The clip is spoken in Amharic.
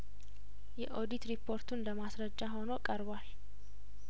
የኦዲት ሪፖርቱ እንደማስረጃ ሆኖ ቀርቧል